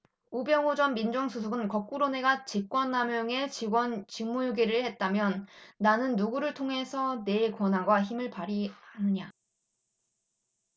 우병우 전 민정수석은 거꾸로 내가 직권남용 직무유기를 했다면 나는 누구를 통해서 내 권한과 힘을 발휘하느냐